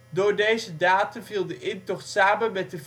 Door deze datum viel de intocht samen met